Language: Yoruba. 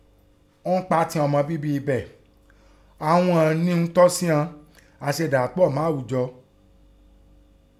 Ńpa tẹ ìghọn ọmọ bíbí ibẹ̀, à á ún ghọn ní ihun kí ó tọ́ sí ghọn, à a sèè dà ghọ́n pọ̀ mọ́ àùjọ.